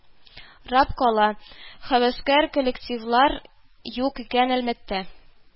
Рап кала: һәвәскәр коллективлар юк икән әлмәттә